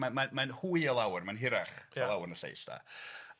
Ma' mae'n mae'n hwy o lawr, mae'n hirach. Ia. .